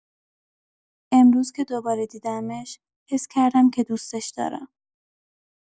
امروز که دوباره دیدمش، حس کردم که دوستش دارم.